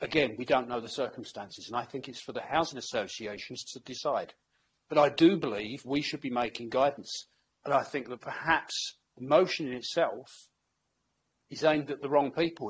Again we don't know the circumstances, and I think it's for the housing associations to decide. But I do believe we should be making guidance, and I think that perhaps the motion in itself is aimed at the wrong people.